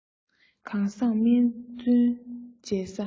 གང བཟང སྨན བཙུན མཇལ ས